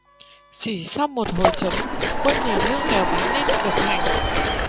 chỉ sau một hồi trống quân nhà lương đều bám lên được thành